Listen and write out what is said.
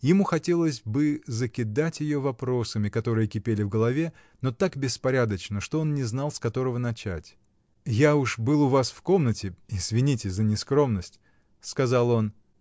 Ему хотелось бы закидать ее вопросами, которые кипели в голове, но так беспорядочно, что он не знал, с которого начать. — Я уж был у вас в комнате. Извините за нескромность. — сказал он.